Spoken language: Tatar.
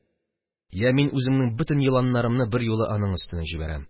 Йә мин үземнең бөтен еланнарымны берьюлы аның өстенә җибәрәм.